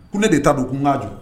Ko ne de ta don kunkan kojugu